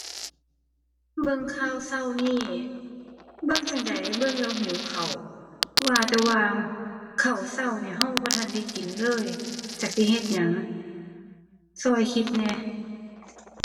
เบิ่งข่าวเช้านี้ เบิ่งจั่งใดเบิ่งแล้วหิวข้าว ว่าแต่ว่าข้าวเช้าเนี่ยเช้าบ่ทันได้กินเลย จักสิเฮ็ดหยัง เช้าคิดแหน่